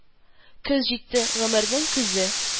Көз җитте гомернең көзе